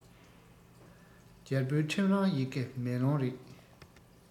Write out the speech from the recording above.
རྒྱལ པོའི ཁྲིམས རར ཡི གེ མེ ལོང རེད